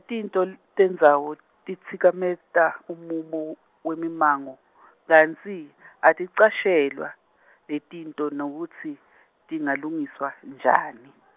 tintfo tendzawo titsikameta umumo wemimango kantsi aticashelwa letintfo nekutsi tingalungiswa njani .